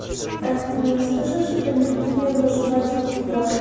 афина скажи аллергия на жвачке бывает